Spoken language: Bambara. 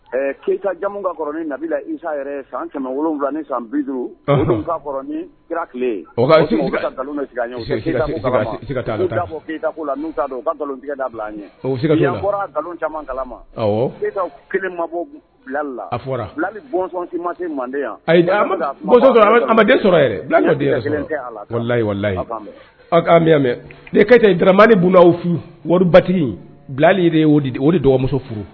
Batigili o de dɔgɔmuso furu